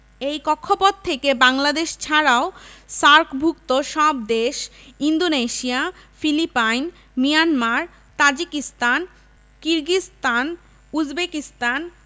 এই কক্ষপথ থেকে বাংলাদেশ ছাড়াও সার্কভুক্ত সব দেশ Indonesia Philippine Myanmar Tajikistan Kyrgyzstan Uzbekistan